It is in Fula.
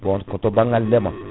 bon koto banggal deema